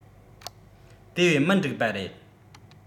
དེ བས མི འགྲིག པ རེད